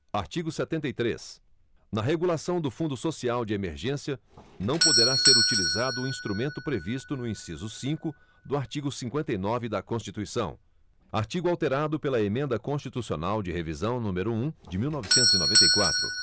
artigo setenta e três na regulação do fundo social de emergência não poderá ser utilizado instrumento previsto no inciso cinco do artigo cinquenta e nove da constituição artigo alterado pela emenda constitucional de revisão número um de mil novecentos e noventa e quatro